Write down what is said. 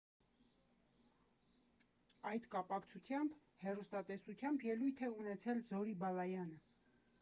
Այդ կապակցությամբ հեռուստատեսությամբ ելույթ է ունեցել Զորի Բալայանը։